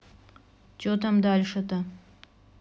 че там дальше то